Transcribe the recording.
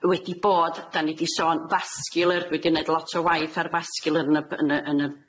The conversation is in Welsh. wedi bod, 'dan ni di sôn vascular... Dwi 'di neud lot o waith ar vascular yn y b- yn y yn y